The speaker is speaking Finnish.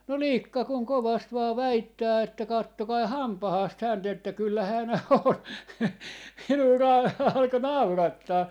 no likka kun kovasti vain väittää että katsokaa hampaasta häntä että kyllä hän on minua - alkoi naurattaa